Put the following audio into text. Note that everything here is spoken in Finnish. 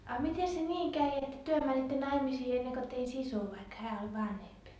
a mitenkäs se niin kävi että te menitte naimisiin ennen kuin teidän sisko vaikka hän oli vanhempi